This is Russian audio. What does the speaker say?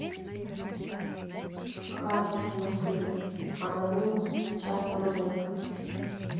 hacker в москве анонимус чат руденко